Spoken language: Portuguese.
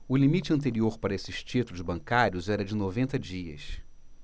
o limite anterior para estes títulos bancários era de noventa dias